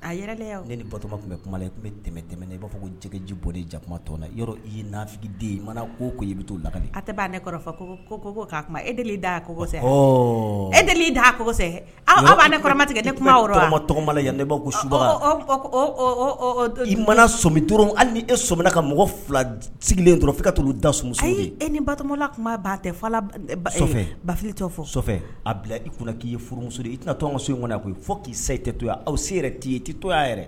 A yɛrɛ ne ni batoma bɛ kuma tun bɛ tɛmɛ tɛmɛɛna i b'a fɔ ko jɛgɛji bɔ jakuma tɔn na yɔrɔ i yefiden mana ko ko i bɛ to lakali a tɛ b'a ne ko'a e deli da h e deli da a'a ne kɔrɔma tigɛ tɛ kuma yɔrɔ tɔgɔma yan ne b'a ko su i ma somi duuru hali ni e sɔmina ka mɔgɔ fila sigilen dɔrɔnfin i ka t' da s e ni batomala kuma b ba tɛ bafitɔ fɔ a bila i k'i ye furumuso ye i tɛna to ka so in kɔnɔ fɔ k'i sa tɛ to aw se yɛrɛ t'i ye tɛ to y' yɛrɛ